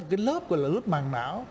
lớp gọi là lớp màng não